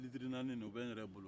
litiri naani in o bɛ n yɛrɛ bolo